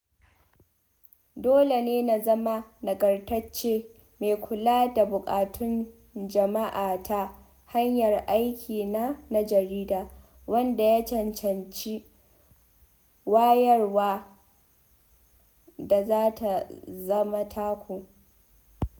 Dole ne na zama nagartacce, mai kula da buƙatun jama'a ta hanyar aikina na jarida, wanda ya cancanci wayarwar da ta zama taku.